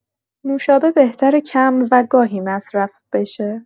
نوشابه بهتره کم و گاهی مصرف بشه.